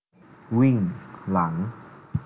วิ่งหลัง